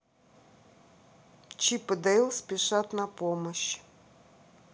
чип и дэйл спешат на помощь